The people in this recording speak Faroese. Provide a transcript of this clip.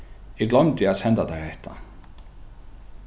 eg gloymdi at senda tær hetta